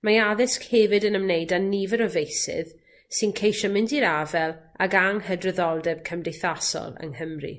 Mae addysg hefyd yn ymwneud â nifer o feysydd sy'n ceisio mynd i'r afel ag anghydraddoldeb cymdeithasol yng Nghymru.